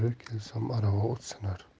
beri kelsam arava sinar